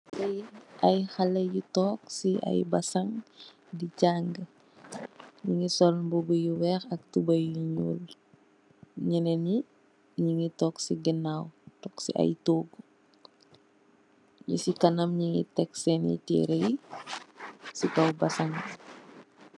Lii aye xalle yu took si aye basang, di jaangh, ñungi sol mbubu yu weex, ak tubeuy yu ñuul, ñaneen ñi, ñungi took si ginaaw, took si aye toogu, ñisi kanam ñingi tek seni teere yi si kaw basang.